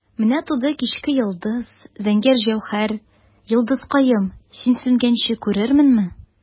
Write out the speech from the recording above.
Менә туды кичке йолдыз, зәңгәр җәүһәр, йолдызкаем, син сүнгәнче күрерменме?